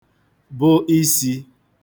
bụ isī